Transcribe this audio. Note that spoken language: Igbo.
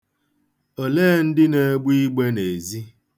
Olee ndị na-egbe igbe n'ezi?